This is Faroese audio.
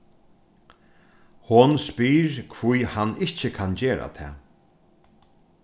hon spyr hví hann ikki kann gera tað